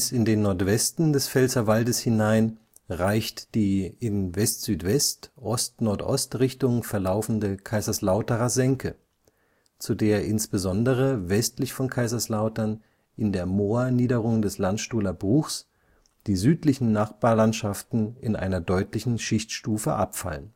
in den Nordwesten des Pfälzerwaldes hinein reicht die in Westsüdwest-Ostnordost-Richtung verlaufende Kaiserslauterer Senke, zu der insbesondere westlich von Kaiserslautern, in der Moorniederung des Landstuhler Bruchs, die südlichen Nachbarlandschaften in einer deutlichen Schichtstufe abfallen